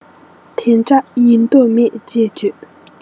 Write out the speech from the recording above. དེ འདྲ ཡིན དོགས མེད ཅེས བརྗོད